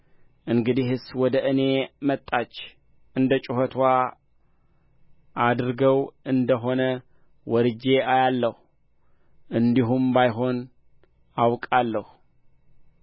እንግዲህስ ወደ እኔ እንደ መጣች እንደ ጩኸትዋ አድርገው እንደ ሆነ ወርጄ አያለሁ እንዲሁም ባይሆን አውቃለሁ